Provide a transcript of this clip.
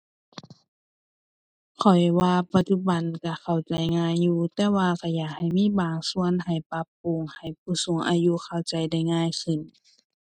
ข้อยว่าปัจจุบันก็เข้าใจง่ายอยู่ แต่ว่าก็อยากให้มีบางส่วนให้ปรับปรุงให้ผู้สูงอายุเข้าใจได้ง่ายขึ้น